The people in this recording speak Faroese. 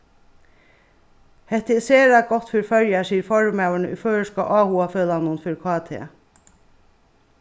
hetta er sera gott fyri føroyar sigur formaðurin í føroyska áhugafelagnum fyri kt